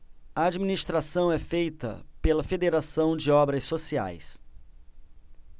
a administração é feita pela fos federação de obras sociais